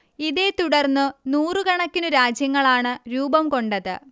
ഇതെത്തുടർന്ന് നൂറുകണക്കിന് രാജ്യങ്ങളാണ് രൂപം കൊണ്ടത്